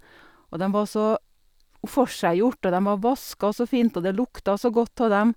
Og dem var så forseggjort og dem var vaska så fint og det lukta så godt tå dem.